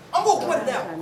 An koo kuma yan